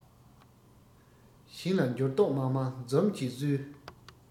བཞིན ལ འགྱུར ལྡོག མ མང འཛུམ གྱིས བསུས